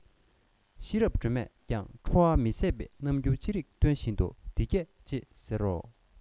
ཤེས རབ སྒྲོལ མས ཀྱང ཁྲོ བ མི ཟད པའི རྣམ འགྱུར ཅི རིགས སྟོན བཞིན དུ འདི སྐད ཅེས ཟེར རོ